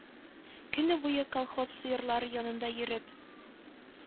Көне буе колхоз сыерлары янында йөреп